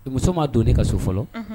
Muso' don ne ka so fɔlɔ